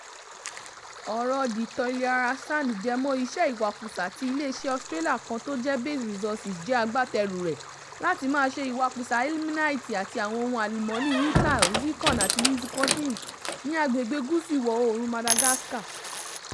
Ọ̀rọ̀ The Toliara Sand jẹmọ́ iṣẹ́ ìwakùsà tí iléeṣé Australia kan tó ń jẹ́ Base Resources jẹ́ agbáterù rẹ̀ láti máa ṣe ìwakùsà ilmenite àti àwọn ohun àlùmọ́nì(rutile, zircon and leucoxene) ní agbègbè gúsù ìwọ̀-oòrùn Madagascar.